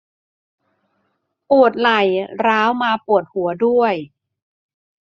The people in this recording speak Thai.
ปวดไหล่ร้าวมาปวดหัวด้วย